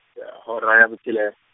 hora ya botshele-.